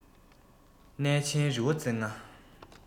གནས ཆེན རི བོ རྩེ ལྔ